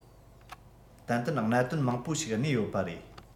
ཏན ཏན གནད དོན མང པོ ཞིག གནས ཡོད པ རེད